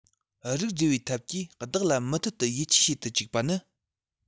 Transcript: རིགས སྒྲེ བའི ཐབས ཀྱིས བདག ལ མུ མཐུད དུ ཡིད ཆེས བྱེད དུ བཅུག པ ནི